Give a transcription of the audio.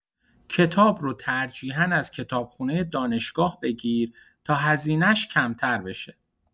کتاب رو ترجیحا از کتابخونه دانشگاه بگیر تا هزینه‌اش کمتر بشه.